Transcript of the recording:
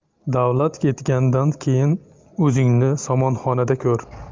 davlat ketgandan keyin o'zingni somonxonada ko'r